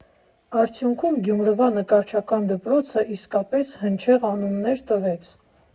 Արդյունքում Գյումրվա նկարչական դպրոցը իսկապես հնչեղ անուններ տվեց։